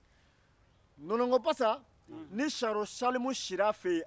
siyanro salimu sira nɔnɔnko basa fɛ ye